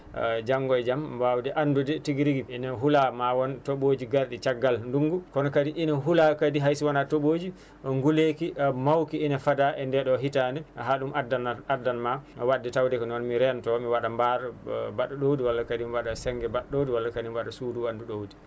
janŋngo e jaam wawde andude tigii rigii ne huula ma woon tooɓoji garɗi caggal ndugngu kono kadi ina huula kadi hayso wona toɓoji guleyki mawki ina faada e nde ɗo hitannde ha ɗum addana addanma wadde tawde ko noon mi rento mi waɗa mbar mbaɗɗo ɗowde walla kadi mi waɗa zinc mbawɗo ɗowde walla kadi mi waɗa suudu wanndu ɗowdi